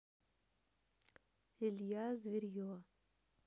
илья зверье